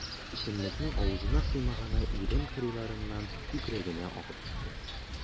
Эчемлекнең авызына сыймаганы ирен кырыйларыннан күкрәгенә агып төште.